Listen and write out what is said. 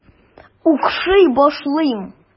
Укшый башлыйм.